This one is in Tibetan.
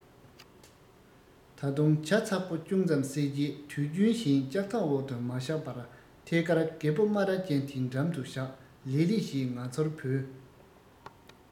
ད དུང ཇ ཚ པོ ཅུང ཙམ བསྲེས རྗེས དུས རྒྱུན བཞིན ལྕགས ཐབ འོག ཏུ མ བཞག པར ཐད ཀར རྒད པོ སྨ ར ཅན དེའི འགྲམ དུ བཞག ལི ལི ཞེས ང ཚོར བོས